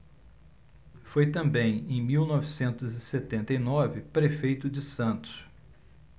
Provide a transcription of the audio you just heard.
foi também em mil novecentos e setenta e nove prefeito de santos